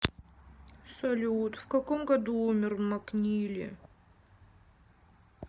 салют в каком году умер макнили